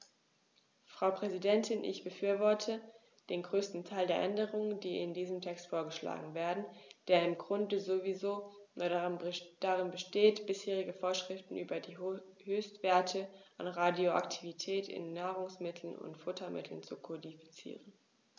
Frau Präsidentin, ich befürworte den größten Teil der Änderungen, die in diesem Text vorgeschlagen werden, der im Grunde sowieso nur darin besteht, bisherige Vorschriften über die Höchstwerte an Radioaktivität in Nahrungsmitteln und Futtermitteln zu kodifizieren.